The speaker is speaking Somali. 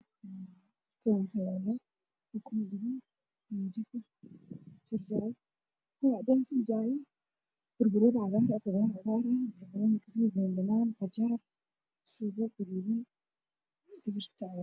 Waa saxan kujiro cunto